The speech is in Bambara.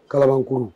Kalabankuru